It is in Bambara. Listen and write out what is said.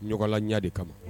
Ɲɔgɔnlaya de kama